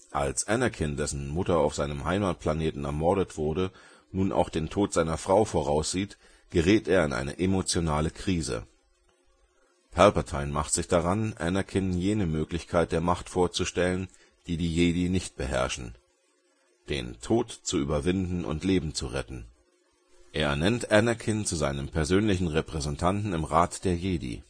Als Anakin, dessen Mutter auf seinem Heimatplaneten ermordet wurde, nun auch den Tod seiner Frau voraussieht, gerät er in eine emotionale Krise. Palpatine macht sich daran, Anakin jene Möglichkeiten der Macht vorzustellen, die die Jedi nicht beherrschen: den Tod zu überwinden und Leben zu retten. Er ernennt Anakin zu seinem persönlichen Repräsentanten im Rat der Jedi